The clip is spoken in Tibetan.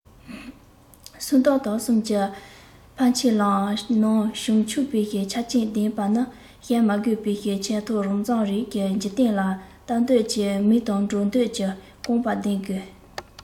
སུམ རྟགས དག གསུམ གྱི ཕ ཁྱིམ ལའང ནང བྱན ཆུབ པའི ཆ རྐྱེན ལྡན པ ནི བཤད མ དགོས པའི ཐོག ཁྱོད རང རྩོམ རིག གི འཇིག རྟེན ལ ལྟ འདོད ཀྱི མིག དང འགྲོ འདོད ཀྱི རྐང པ ལྡན དགོས